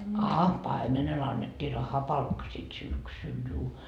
aa paimenelle annettiin rahapalkka sitten syksyllä juu